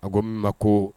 A ko ma ko